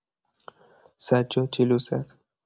سجاد جلو زد.